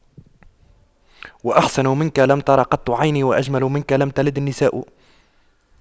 وأحسن منك لم تر قط عيني وأجمل منك لم تلد النساء